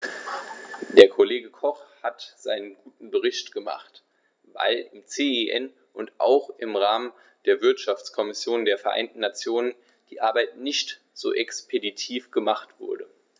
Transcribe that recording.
Der Kollege Koch hat seinen guten Bericht gemacht, weil im CEN und auch im Rahmen der Wirtschaftskommission der Vereinten Nationen die Arbeit nicht so expeditiv gemacht wurde.